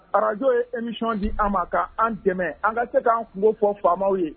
Arajo ye emisy di an ma' an dɛmɛ an ka se k'an kungo fɔ faama ye